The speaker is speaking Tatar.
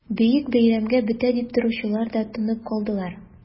Бөек бәйрәмгә бетә дип торучылар да тынып калдылар...